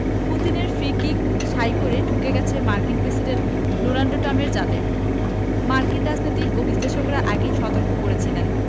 পুতিনের free kick শাঁই করে ঢুকে গেছে মার্কিন প্রেসিডেন্ট ডোনাল্ড ট্রাম্পের জালে মার্কিন রাজনীতিক ও বিশ্লেষকেরা আগেই সতর্ক করেছিলেন